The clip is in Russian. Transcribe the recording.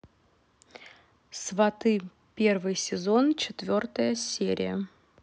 сваты первый сезон четвертая серия